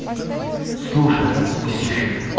слушай бесишь